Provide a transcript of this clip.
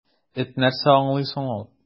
Эт нәрсә аңлый соң ул!